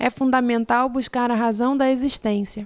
é fundamental buscar a razão da existência